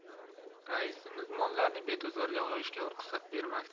raisimiz mollarni bedazorga yoyishga ruxsat bermasdi